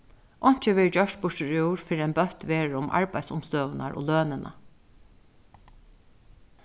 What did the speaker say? einki verður gjørt burturúr fyrr enn bøtt verður um arbeiðsumstøðurnar og lønina